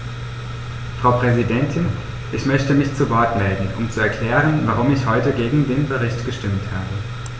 Frau Präsidentin, ich möchte mich zu Wort melden, um zu erklären, warum ich heute gegen den Bericht gestimmt habe.